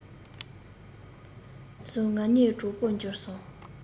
བཟུང ང གཉིས གྲོགས པོར གྱུར སོང